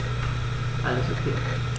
Alles OK.